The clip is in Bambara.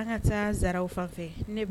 An ka taa Sarawu fan fɛ